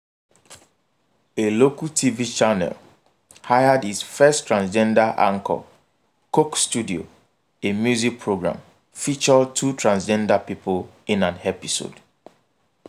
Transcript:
A local TV channel hired its first transgender anchor; Coke studio, a music program, featured two transgender people in an episode.